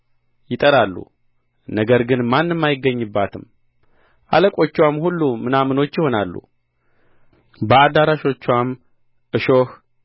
ይጠራሉ ነገር ግን ማንም አይገኝባትም አለቆችዋም ሁሉ ምናምኖች ይሆናሉ በአዳራሾችዋም እሾህ